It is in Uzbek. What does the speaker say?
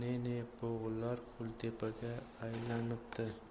ne ne bog'lar kultepaga aylanibdi